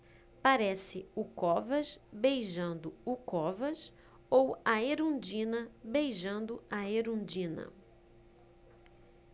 parece o covas beijando o covas ou a erundina beijando a erundina